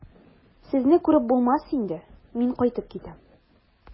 Сезне күреп булмас инде, мин кайтып китәм.